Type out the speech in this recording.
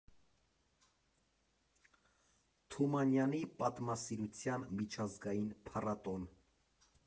Թումանյանի պատմասության միջազգային փառատոն։